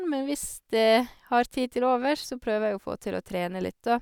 Men hvis jeg har tid til overs, så prøver jeg å få til å trene litt, da.